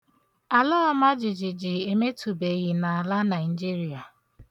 Alọọmajijiji emetubeghị n'ala Naịjiria.